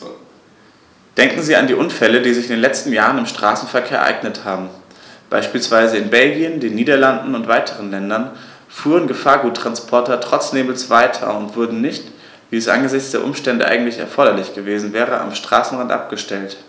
Denken Sie an die Unfälle, die sich in den letzten Jahren im Straßenverkehr ereignet haben. Beispielsweise in Belgien, den Niederlanden und weiteren Ländern fuhren Gefahrguttransporter trotz Nebels weiter und wurden nicht, wie es angesichts der Umstände eigentlich erforderlich gewesen wäre, am Straßenrand abgestellt.